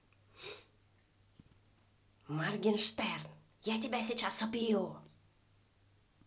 morgenshtern я тебя сейчас убью